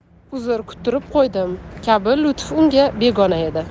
uzr kuttirib qo'ydim kabi lutf unga begona edi